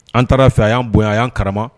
An taara fɛ y' bonya a'an karama